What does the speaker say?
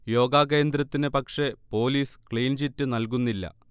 യോഗാ കേന്ദ്രത്തിന് പക്ഷേ police clean chit നല്കുന്നില്ല